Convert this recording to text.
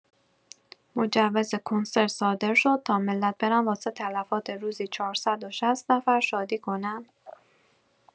مجوز کنسرت صادر شد تا ملت برن واسه تلفات روزی ۴۶۰ نفر شادی کنن؟